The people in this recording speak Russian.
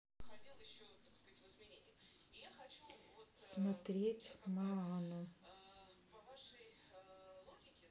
смотреть моану